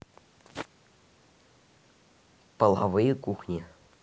половые кухни